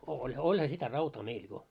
oli olihan sitä rautaa meillä jo